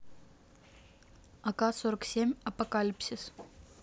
ак сорок семь апокалипсис